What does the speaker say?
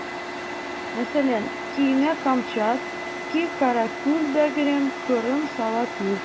Мәсәлән: Кимә камчат, ки каракүл, бәгърем, кырын сала күр.